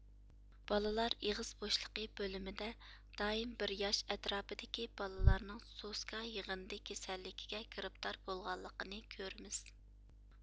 بالىلار ئېغىز بوشلۇقى بۆلۈمىدە دائىم بىر ياش ئەتراپىدىكى بالىلارنىڭ سوسكا يىغىندى كېسەللىكىگە گىرىپتار بولغانلىقىنى كۆرىمىز